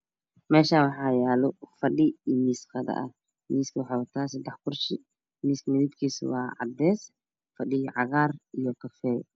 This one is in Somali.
Meshan waxaa yalofadhi iyo mis qado miska waxaas wataa sedax kursi miska midabkiisa waa cadees fadhigana waa cagar iyo kafeey